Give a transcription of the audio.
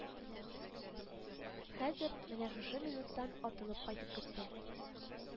Хәзер, менә шушы минутта атылып кайтып керсә